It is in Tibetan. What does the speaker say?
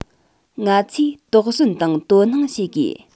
ང ཚོས དོགས ཟོན དང དོ སྣང བྱེད དགོས